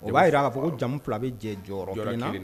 O b'a jira k'a fɔ ko jamu fila bɛ jɛ jɔyɔrɔ, jɔyɔrɔ kelen na.